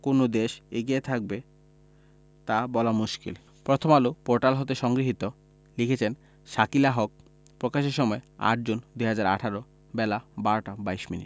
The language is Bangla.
কোন দেশ এগিয়ে থাকবে তা বলা মুশকিল প্রথমআলো পোর্টাল হতে সংগৃহীত লিখেছেন শাকিলা হক প্রকাশের সময় ৮জুন ২০১৮ বেলা ১২টা ২২মিনিট